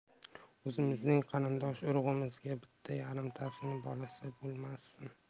o'zimizning qarindosh urug'imizda bitta yarimtasining bolasi bo'lmasin